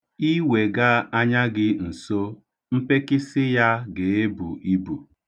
I wega anya gị nso, mpekịsị ya ga-ebu ibu.